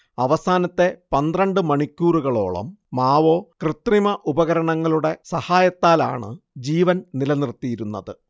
അവസാനത്തെ പന്ത്രണ്ട് മണിക്കൂറുകളോളം മാവോ കൃത്രിമ ഉപകരണങ്ങളുടെ സഹായത്താലാണ് ജീവൻ നിലനിർത്തിയിരുന്നത്